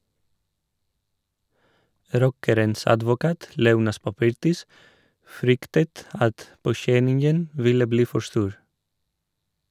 Rockerens advokat, Leonas Papirtis, fryktet at påkjenningen ville bli for stor.